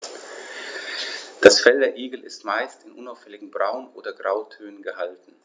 Das Fell der Igel ist meist in unauffälligen Braun- oder Grautönen gehalten.